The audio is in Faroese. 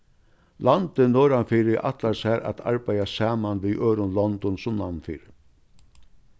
landið norðanfyri ætlar sær at arbeiða saman við øðrum londum sunnanfyri